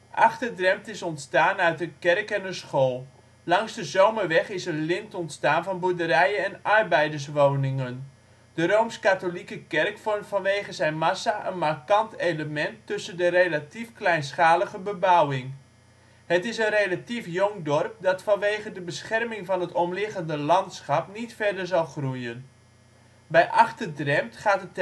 Achter-Drempt is ontstaan uit een kerk en een school. Langs de Zomerweg is een lint ontstaan van boerderijen en arbeiderswoningen. De Rooms-Katholieke Kerk vormt vanwege zijn massa een markant element tussen de relatief kleinschalige bebouwing. Het is een relatief jong dorp dat vanwege de bescherming van het omliggende landschap niet verder zal groeien. Bij Achter-Drempt gaat